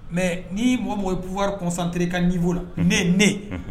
Mɛai ni mɔgɔ o mɔgɔ ye pouvoir concentré i ka niveau la, unhun., ne